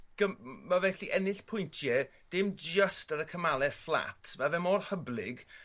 gym- m- ma' fe'n gallu ennill pwyntie dim jyst ar y cymale fflat ma' fe mor hyblyg